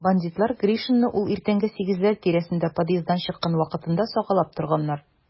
Бандитлар Гришинны ул иртәнге сигезләр тирәсендә подъезддан чыккан вакытында сагалап торганнар.